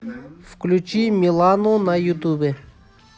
включи милану на ютубе